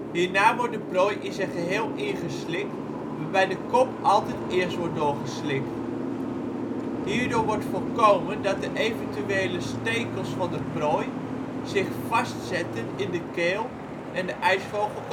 Hierna wordt de prooi in zijn geheel ingeslikt waarbij de kop altijd eerst wordt doorgeslikt. Hierdoor wordt voorkomen dat de eventuele stekels van de prooi zich vastzetten in de keel en de ijsvogel